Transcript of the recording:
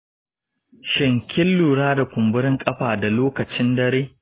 shin kin lura da ƙumburin ƙafa da lokacin dare?